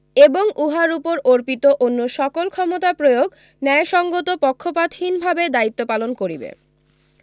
এবং উহার উপর অর্পিত অন্য সকল ক্ষমতা প্রয়োগ ন্যায়সংগত পক্ষপাতহীনভাবে দায়িত্বপালন করিবে